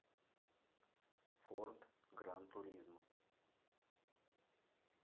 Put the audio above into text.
форд гранд туризмо